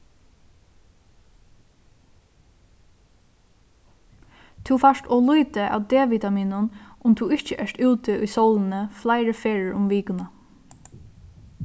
tú fært ov lítið av d-vitaminum um tú ikki ert úti í sólini fleiri ferðir um vikuna